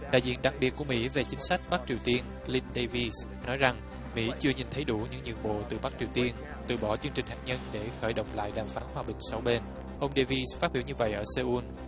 đại diện đặc biệt của mỹ về chính sách bắc triều tiên lin đê vi nói rằng mỹ chưa nhìn thấy đủ như nhượng bộ từ bắc triều tiên từ bỏ chương trình hạt nhân để khởi động lại đàm phán hòa bình sáu bên ông đê vi phát biểu như vậy ở sê un